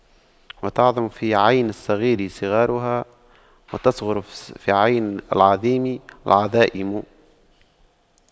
وتعظم في عين الصغير صغارها وتصغر في عين العظيم العظائم